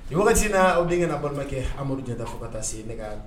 Wagati na aw denkɛ ka balimakɛ amadu jan fo ka taa se ne